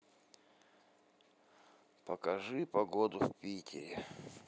покажи погоду в питере